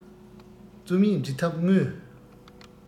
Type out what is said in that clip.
རྩོམ ཡིག འབྲི ཐབས དངོས